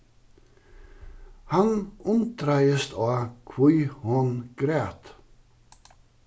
hann undraðist á hví hon græt